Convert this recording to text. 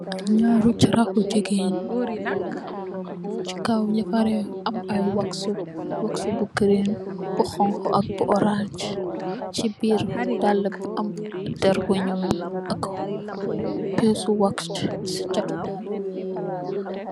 Naari chairaxu jigeen, ci kaw pare am ay waxsu, waxsu bu girini, bu xonxo ak bu orans. Ci bir dala bu am dery bu nuul, pissi waxx ci chati dala bi.